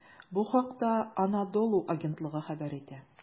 Бу хакта "Анадолу" агентлыгы хәбәр итә.